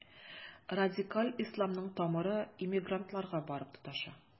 Радикаль исламның тамыры иммигрантларга барып тоташа.